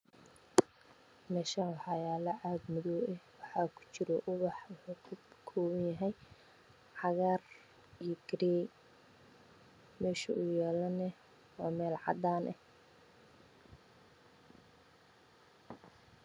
Meshan waxayala caag madow eh waxa kujiro ubax waxow kakoban yahay cagar io garey mesha oow yalo waaa mel cadan ah